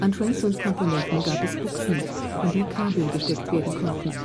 Trays und Komponenten gab es Buchsen, in die Kabel gesteckt werden konnten